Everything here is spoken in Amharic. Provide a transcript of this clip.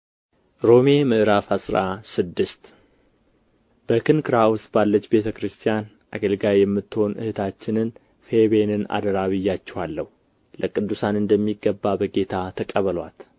ሮሜ ምዕራፍ አስራ ስድስት በክንክራኦስ ባለች ቤተ ክርስቲያን አገልጋይ የምትሆን እኅታችንን ፌቤንን አደራ ብያችኋለሁ ለቅዱሳን እንደሚገባ በጌታ ተቀበሉአት